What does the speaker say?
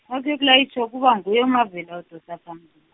nakuyokulayitjhwa kuba nguye uMavela odosa phambi.